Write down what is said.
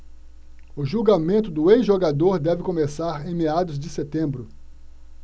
o julgamento do ex-jogador deve começar em meados de setembro